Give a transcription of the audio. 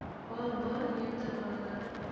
bol bor yerda bolari bor